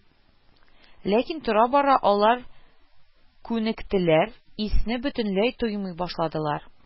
Ләкин тора-бара алар күнектеләр, исне бөтенләй тоймый башладылар